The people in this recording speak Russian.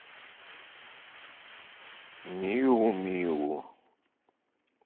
миу миу